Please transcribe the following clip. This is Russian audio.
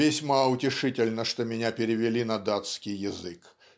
"Весьма утешительно, что меня перевели на датский язык.